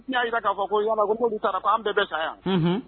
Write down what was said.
N y'a jira ka fɔ ko yala n'olu sara k'an bɛɛ bɛ sa yan.